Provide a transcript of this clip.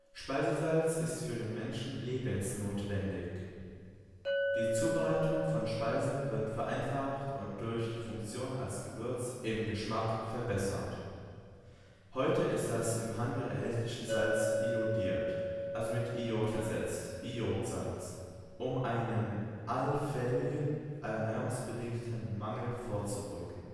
Speisesalz ist für den Menschen lebensnotwendig. Die Zubereitung von Speisen wird vereinfacht und durch die Funktion als Gewürz im Geschmack verbessert. Heute ist das im Handel erhältliche Salz iodiert, also mit Iod versetzt (Iodsalz), um einem allfälligen ernährungsbedingten Mangel vorzubeugen